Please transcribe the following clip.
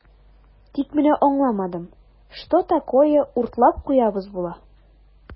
Тик менә аңламадым, что такое "уртлап куябыз" була?